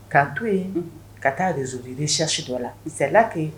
K'a to yenunhun, ka taa réseau de recherche dɔ la, c'est là que